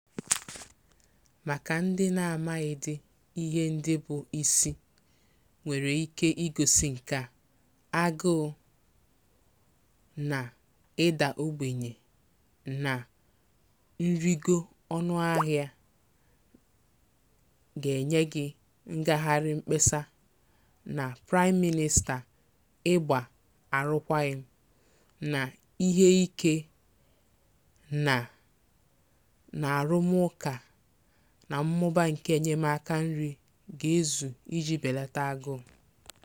Maka ndị na-amaghịdị ihe ndị bụ isi nwere ike igosị nke a: agụụ + ịda ogbenye + nrịgo ọnụahịa = ngagharị mkpesa + Praịm Mịnịsta ịgba arụkwaghịm + ihe ike, na na-arụmụụka na mmụba nke enyemaka nri ga-ezu iji belata agụụ.